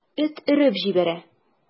Эт өреп җибәрә.